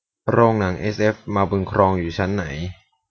โรงหนังเอสเอฟมาบุญครองอยู่ชั้นไหน